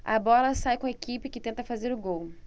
a bola sai com a equipe que tenta fazer o gol